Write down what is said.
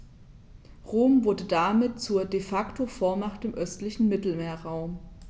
Rom wurde damit zur ‚De-Facto-Vormacht‘ im östlichen Mittelmeerraum.